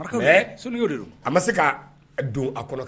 hɛɛn soulier w de don a ma se kaa don a kɔnɔ